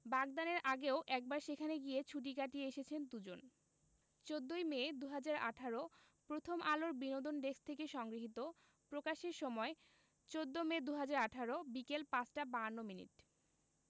বাগদানের আগেও একবার সেখানে গিয়ে ছুটি কাটিয়ে এসেছেন দুজন ১৪ই মে ২০১৮ প্রথমআলোর বিনোদন ডেস্কথেকে সংগ্রহীত প্রকাশের সময় ১৪মে ২০১৮ বিকেল ৫টা ৫২ মিনিট